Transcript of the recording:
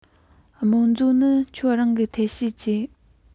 རྨོན མཛོ ནི ཁྱེད རང གི ཐབས ཤེས གྱིས